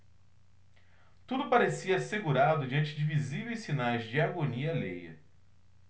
tudo parecia assegurado diante de visíveis sinais de agonia alheia